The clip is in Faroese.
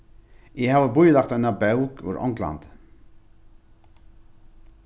eg havi bílagt eina bók úr onglandi